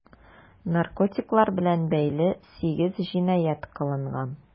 Наркотиклар белән бәйле 8 җинаять кылынган.